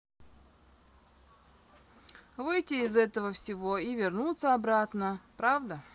выйти из этого всего и вернуться обратно правда